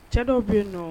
Cɛ dɔw b bɛ yen nɔ